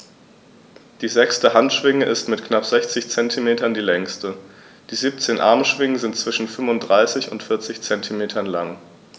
Die sechste Handschwinge ist mit knapp 60 cm die längste. Die 17 Armschwingen sind zwischen 35 und 40 cm lang.